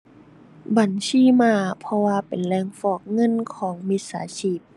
บัญชีม้า เพราะว่าเป็นแหล่งฟอกเงินของมิจฉาชีพ